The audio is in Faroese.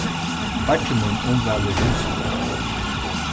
beiggi mín umvælir húsini